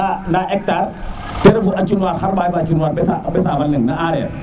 nda hrectar ten refu a cum war xar ɓaxay fa a cum waar ɓeta fo leng na areer